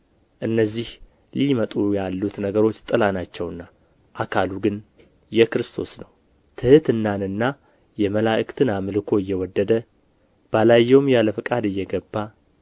እነዚህ ሊመጡ ያሉት ነገሮች ጥላ ናቸውና አካሉ ግን የክርስቶስ ነው ትሕትናንና የመላእክትን አምልኮ እየወደደ ባላየውም ያለ ፈቃድ እየገባ